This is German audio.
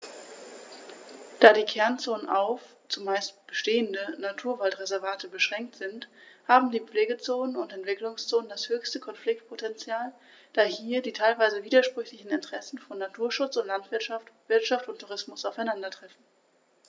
Da die Kernzonen auf – zumeist bestehende – Naturwaldreservate beschränkt sind, haben die Pflegezonen und Entwicklungszonen das höchste Konfliktpotential, da hier die teilweise widersprüchlichen Interessen von Naturschutz und Landwirtschaft, Wirtschaft und Tourismus aufeinandertreffen.